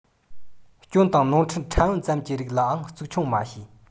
སྐྱོན དང ནོར འཁྲུལ ཕྲན བུ ཙམ གྱི རིགས ལའང གཙིགས ཆུང མ བྱེད